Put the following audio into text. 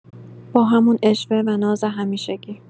با همون عشوه و ناز همیشگی